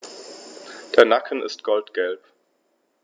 Der Nacken ist goldgelb.